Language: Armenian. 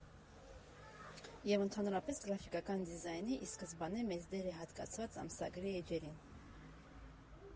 Եվ ընդհանրապես՝ գրաֆիկական դիզայնին ի սկզբանե մեծ դեր էր հատկացված ամսագրի էջերին։